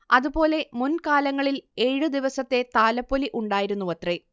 അതുപോലെ മുൻ കാലങ്ങളിൽ ഏഴ് ദിവസത്തെ താലപ്പൊലി ഉണ്ടായിരുന്നുവത്രെ